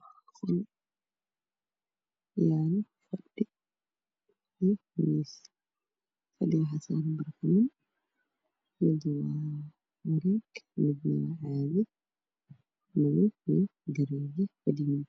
Waa qol waxaa yaalo fadhi iyo miis, fadhiga waxaa saaran barkimo mid waa garee midna waa caadi, madow. Fadhiga waa gareeji,